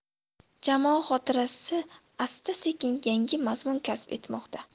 jamoa xotirasi asta sekin yangi mazmun kasb etmoqda